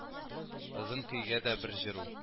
Озын көйгә дә бер жыру